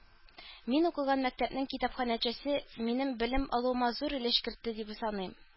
Мин укыган мәктәпнең китапханәчесе минем белем алуыма зур өлеш кертте дип саныйм